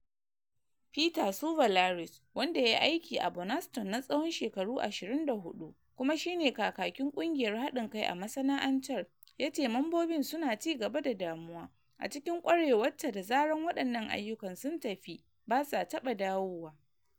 Peter Tsouvallaris, wanda yayi aiki a Burnaston na tsawon shekaru 24 kuma shi ne kakakin kungiyar hadin kai a masana’antar, yace mambobin su na ci gaba da damuwa: “A cikin kwarewata da zaran wadannan ayyukan sun tafi ba sa taba dawowa.